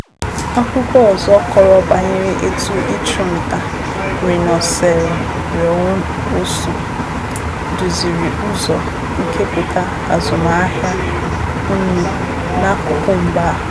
Akụkọ ọzọ kọrọ banyere etu ịchụ nta raịnoserọọsụ duziri uzo nkepụta azụmahịa nnu n'akụkụ mba a .